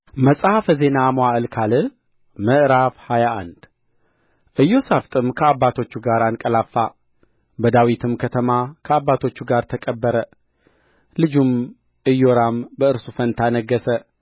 መጽሐፈ ዜና መዋዕል ካልዕ ምዕራፍ ሃያ አንድ ኢዮሣፍጥም ከአባቶቹ ጋር አንቀላፋ በዳዊትም ከተማ ከአባቶቹ ጋር ተቀበረ ልጁም ኢዮራም በእርሱ ፋንታ ነገሠ